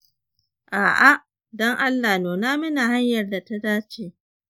a'a, don allah nuna mini hanyar da ta dace.